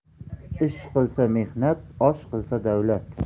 ish qolsa mehnat osh qolsa davlat